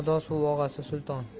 suv og'asi sulton